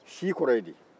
si kɔrɔ ye di